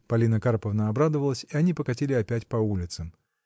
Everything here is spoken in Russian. Полина Карповна обрадовалась, и они покатили опять по улицам.